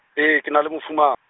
ee ke na le mofuma ha.